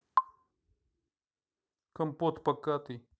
компот покатый